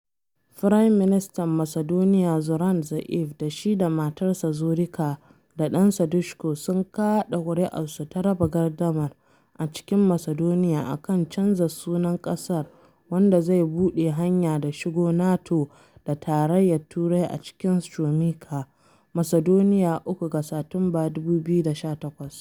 Firaministan Macedonia Zoran Zaev, da shi da matarsa Zorica da ɗansa Dushko sun kaɗa kuri’arsu ta raba gardamar a cikin Macedonia a kan canza sunan ƙasar wanda zai buɗe hanya da shiga NATO da Tarayyar Turai a cikin Strumica, Macedonia 3 ga Satumba, 2018.